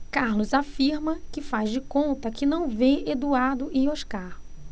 carlos afirma que faz de conta que não vê eduardo e oscar